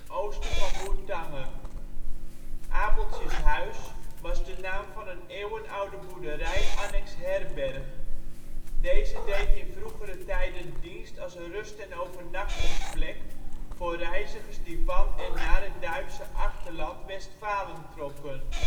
oosten van Bourtange. Abeltjes Huis was de naam van een eeuwenoude boerderij annex herberg. Deze deed in vroegere tijden dienst als rust - en overnachtingsplek voor reizigers die van en naar het Duitse achterland Westfalen trokken